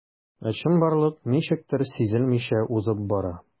Ә чынбарлык ничектер сизелмичә узып бара.